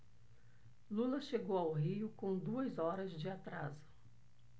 lula chegou ao rio com duas horas de atraso